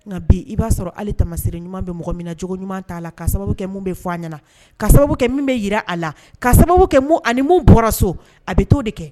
Nka bi i b'a sɔrɔ hali tamama se ɲuman bɛ mɔgɔ min na cogo ɲuman t'a la ka sababu kɛ min bɛ fɔ a ɲɛna ka sababu kɛ min bɛ jira a la ka sababu kɛ ani min bɔra so a bɛ to de kɛ